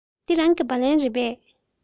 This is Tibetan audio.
འདི རང གི སྦ ལན རེད པས